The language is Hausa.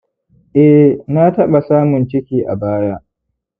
eh na taɓa samun ciki a baya